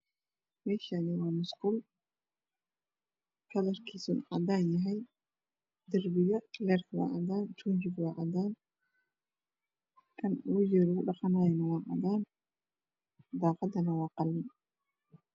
Meshan waa mosqul kalarkeda waa cadan leerka waa cadan tujiga waa cadan kana wajiga laku dhaqanayo waa cadn daqadan waa qalin